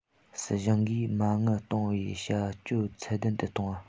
སྲིད གཞུང གིས མ དངུལ གཏོང བའི བྱ སྤྱོད ཚད ལྡན དུ གཏོང བ